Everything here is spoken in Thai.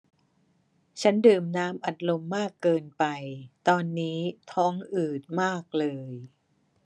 ฉันดื่มน้ำอัดลมมากเกินไปตอนนี้ท้องอืดมากเลย